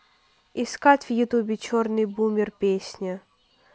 искать в ютубе черный бумер песня